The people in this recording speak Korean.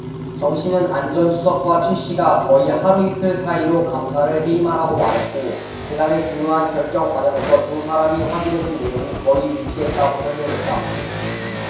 정씨는 안 전 수석과 최씨가 거의 하루이틀 사이로 감사를 해임하라고 말했고 재단의 중요한 결정 과정에서 두 사람이 확인해준 내용이 거의 일치했다고 설명했다